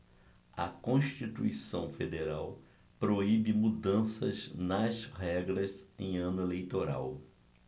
a constituição federal proíbe mudanças nas regras em ano eleitoral